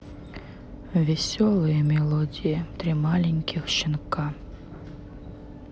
веселые мелодии три маленьких щенка